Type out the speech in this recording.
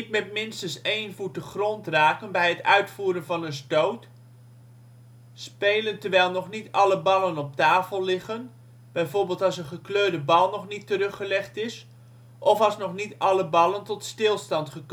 met minstens één voet de grond raken bij het uitvoeren van een stoot Spelen terwijl nog niet alle ballen op tafel liggen (bijvoorbeeld als een gekleurde bal nog niet teruggelegd is) of als nog niet alle ballen tot stilstand